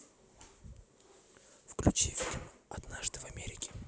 включи фильм однажды в америке